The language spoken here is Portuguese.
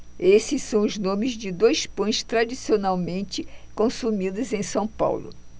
esses são os nomes de dois pães tradicionalmente consumidos em são paulo